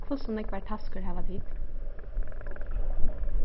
hvussu nógvar taskur hava tit